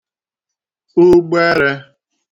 ugbērē